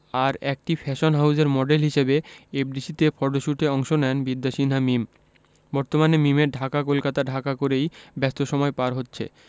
আর একটি ফ্যাশন হাউজের মডেল হিসেবে এফডিসি তে ফটোশ্যুটে অংশ নেন বিদ্যা সিনহা মীম বর্তমানে মিমের ঢাকা কলকাতা ঢাকা করেই ব্যস্ত সময় পার হচ্ছে